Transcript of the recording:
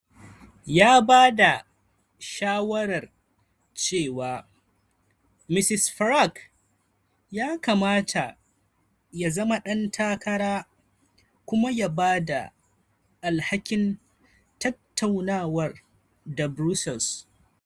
Ya ba da shawarar cewa Mr Farage ya kamata ya zama dan takara kuma ya ba da alhakin tattaunawar da Brussels.